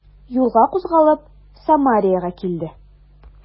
Юлга кузгалып, Самареяга килде.